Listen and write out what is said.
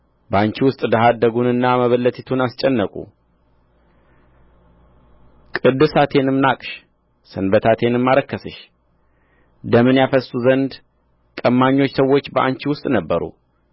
በአንቺ ውስጥ ድሀ አደጉንና መበለቲቱን አስጨነቁ ቅድሳቴንም ናቅሽ ሰንበታቴንም አረከስሽ ደምን ያፈስሱ ዘንድ ቀማኞች ሰዎች በአንቺ ውስጥ ነበሩ